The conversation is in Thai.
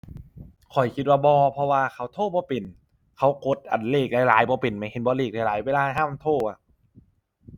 ข้อยคิดว่าบ่เพราะว่าเขาโทรบ่เป็น เขากดอันเลขหลายหลายบ่เป็นแหมเห็นบ่เลขหลายหลายเวลายามโทรอะ